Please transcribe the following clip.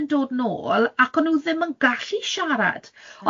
yn dod nôl ac o'n nhw ddim yn gallu siarad.